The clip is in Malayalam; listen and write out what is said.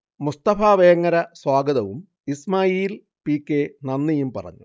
മുസ്തഫ വേങ്ങര സ്വാഗതവും ഇസ്മാഈൽ പി. കെ. നന്ദിയും പറഞ്ഞു